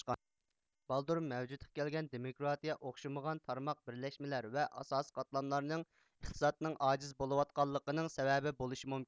بالدۇر مەۋجۇدقا كەلگەن دېمۇكىراتىيە ئوخشىمىغان تارماق بىرلەشمىلەر ۋە ئاساسىي قاتلاملارنىڭ ئېقتىسادنىڭ ئاجىز بولىۋاتقانلىقىنىڭ سەۋەبى بولىشى مۇمكىن